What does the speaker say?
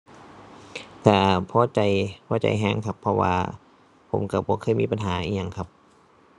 ก็พอใจ พอใจก็ครับ เพราะว่าผมก็บ่เคยมีปัญหาอิหยังครับ